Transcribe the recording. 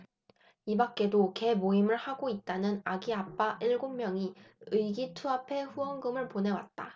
이밖에도 계모임을 하고 있다는 아기 아빠 일곱 명이 의기투합해 후원금을 보내왔다